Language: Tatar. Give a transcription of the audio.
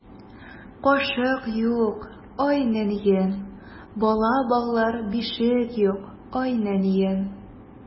Кашык юк, ай нәнием, Бала баглар бишек юк, ай нәнием.